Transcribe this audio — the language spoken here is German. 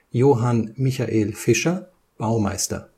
Johann Michael Fischer, Baumeister